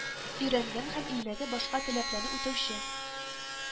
Өйрәнгән һәм илдәге башка таләпләрне үтәүче